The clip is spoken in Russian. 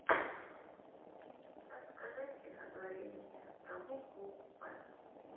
расскажи стихотворение про букву п